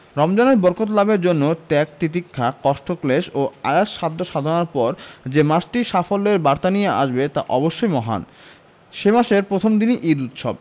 রমজানের বরকত লাভের জন্য ত্যাগ তিতিক্ষা কষ্টক্লেশ ও আয়াস সাধ্য সাধনার পর যে মাসটি সাফল্যের বার্তা নিয়ে আসবে তা অবশ্যই মহান সে মাসের প্রথম দিনই ঈদ উৎসব